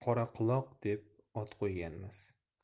qoraquloq deb ot qo'yganmiz